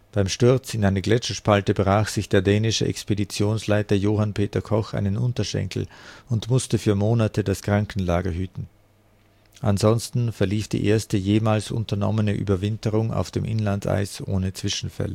Beim Sturz in eine Gletscherspalte brach sich der dänische Expeditionsleiter Johan Peter Koch einen Unterschenkel und musste für Monate das Krankenlager hüten. Ansonsten verlief die erste jemals unternommene Überwinterung auf dem Inlandeis ohne Zwischenfälle. Die